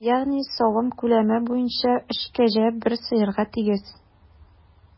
Ягъни савым күләме буенча өч кәҗә бер сыерга тигез.